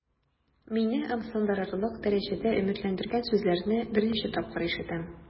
Мине ымсындырырлык дәрәҗәдә өметләндергән сүзләрне беренче тапкыр ишетәм.